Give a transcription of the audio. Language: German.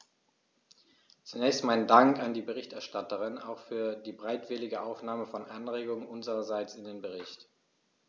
Zunächst meinen Dank an die Berichterstatterin, auch für die bereitwillige Aufnahme von Anregungen unsererseits in den Bericht.